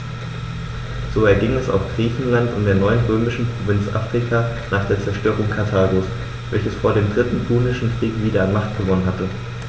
So erging es auch Griechenland und der neuen römischen Provinz Afrika nach der Zerstörung Karthagos, welches vor dem Dritten Punischen Krieg wieder an Macht gewonnen hatte.